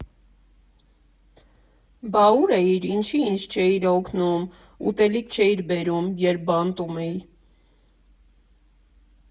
Բա ու՞ր էիր, ինչի՞ ինձ չէիր օգնում, ուտելիք չէիր բերում, երբ բանտում էի։